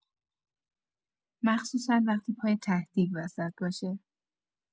مخصوصا وقتی پای ته‌دیگ وسط باشه!